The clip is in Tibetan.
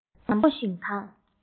ནམ མཁའ སྔོ ཞིང དྭངས